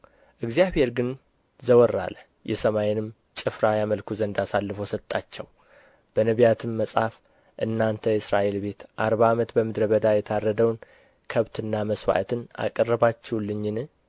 እግዚአብሔር ግን ዘወር አለ የሰማይንም ጭፍራ ያመልኩ ዘንድ አሳልፎ ሰጣቸው በነቢያትም መጽሐፍ እናንተ የእስራኤል ቤት አርባ ዓመት በምድረ በዳ የታረደውን ከብትና መሥዋዕትን አቀረባችሁልኝን